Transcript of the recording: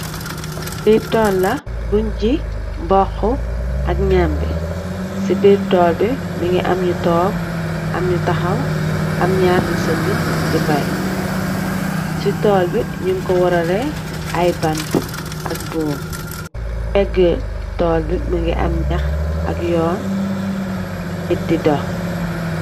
Fii tool la buñg gi mboxxa ak ñeebe. Ci biir tool bi, mu ngi am ñu toog, am ñu taxaw, am ñu sëggë, di bay. Ci tool bi, ñun ko wërrële bantë ak buum. Péégë tool bi mu ngi am ñax ak Yoon, nit di dox.